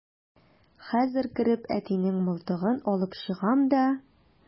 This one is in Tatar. Хәзер кереп әтинең мылтыгын алып чыгам да...